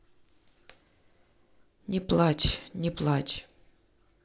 не плачь не плачь